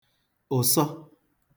ụ̀sọ